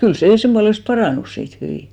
kyllä se sen puolesta parantui siitä hyvin